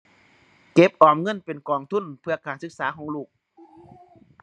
เก็บออมเงินเป็นกองทุนเพื่อการศึกษาของลูก